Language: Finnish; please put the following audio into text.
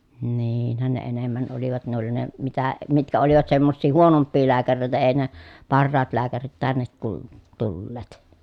niinhän ne enemmän olivat ne oli ne mitä mitkä olivat semmoisia huonompia lääkäreitä ei ne parhaat lääkärit tänne - tulleet